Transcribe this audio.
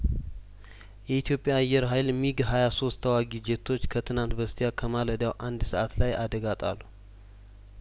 የኢትዮጵያ አየር ሀይል ሚግ ሀያሶስት ተዋጊ ጄቶች ከትናንት በስቲያከማለዳው አንድ ሰአት ላይ አደጋ ጣሉ